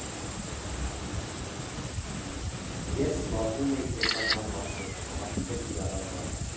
Ես զբաղվում էի տեսական մասով, Անահիտը՝ կիրառական։